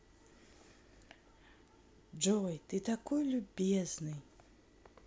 джой ты такой любезный